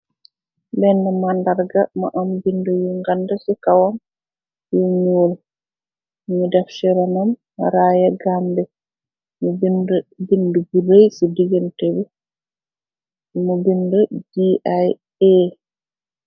Bena màndarga ma am bind yu ngand ci kawam yu ñuul, ñu def ciranam raaya gambie, binda bind bu rëy ci digante bi , mu binda GIA.